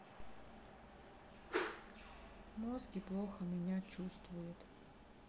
мозги плохо меня чувствует